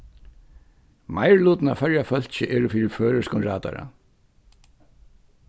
meirilutin av føroya fólki eru fyri føroyskum radara